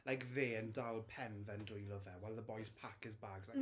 Like fe yn dal pen fe yn dwylo fe, while the boys pack his bags, like...